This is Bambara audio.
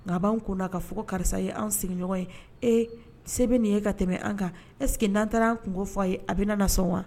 Nka b'an ko ka fɔ karisa ye anw sigiɲɔgɔn ye e sɛbɛn bɛ nin e ka tɛmɛ an kan ɛseke n'an taara an kunko fɔ a ye a bɛ na sɔn wa